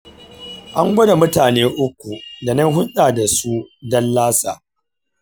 an gwada mutane uku da na yi hulɗa da su don lassa.